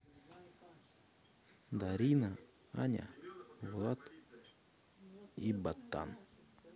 дарина аня влад и ботан